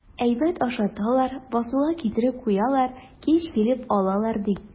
Әйбәт ашаталар, басуга китереп куялар, кич килеп алалар, ди.